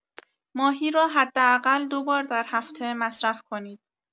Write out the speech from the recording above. ماهی را حداقل دو بار در هفته مصرف کنید.